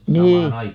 niin